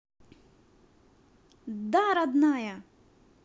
да родная